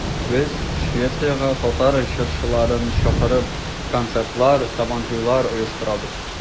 Без, Швециягә татар җырчыларын чакырып, концертлар, Сабантуйлар оештырабыз.